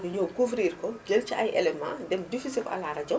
ñu ñëw couvrir ko jël ci ay éléments dem diffusé ko à la rajo